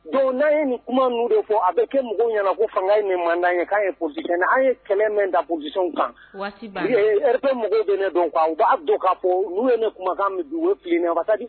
Dɔnku n'a ye nin de fɔ a bɛ kɛ ɲɛna ko fanga ye manden ye ye an ye kɛlɛ min dasɔn kan kan b' don ka ye kumakan fili